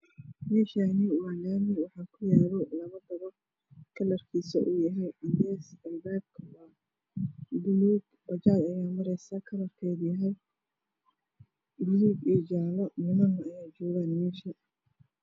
Meeshaan waa laami waxaa kuyaalo labo dabaq kalarkiisu uu yahay cadaan albaabkuna waa buluug. Bajaaj ayaa mareyso oo gaduud iyo jaalo ah nimana meeshay joogaan.